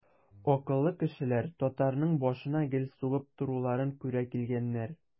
Акыллы кешеләр татарның башына гел сугып торуларын күрә килгәннәр.